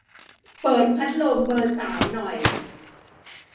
เปิดพัดลมเบอร์สามหน่อย